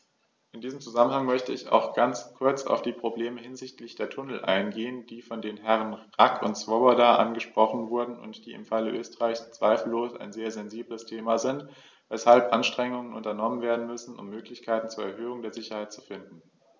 In diesem Zusammenhang möchte ich auch ganz kurz auf die Probleme hinsichtlich der Tunnel eingehen, die von den Herren Rack und Swoboda angesprochen wurden und die im Falle Österreichs zweifellos ein sehr sensibles Thema sind, weshalb Anstrengungen unternommen werden müssen, um Möglichkeiten zur Erhöhung der Sicherheit zu finden.